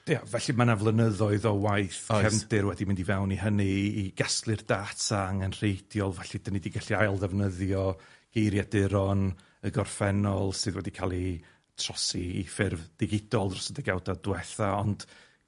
Ie, felly ma' 'na flynyddoedd o waith... Oes. cefndir wedi mynd i fewn i hynny i i gasglu'r data angenrheidiol, felly 'dan ni di gallu ail-ddefnyddio eiriaduron y gorffennol, sydd wedi ca'l eu trosi i ffurf digidol dros y degawd dwetha ond